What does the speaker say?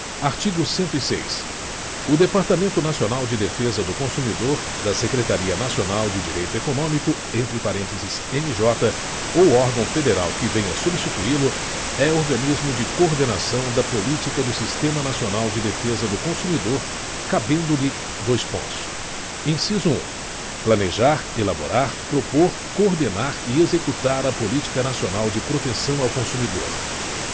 artigo cento e seis o departamento nacional de defesa do consumidor da secretaria nacional de direito econômico entre parênteses mj ou órgão federal que venha substituí lo é organismo de coordenação da política do sistema nacional de defesa do consumidor cabendo lhe dois pontos inciso um planejar elaborar propor coordenar e executar a política nacional de proteção ao consumidor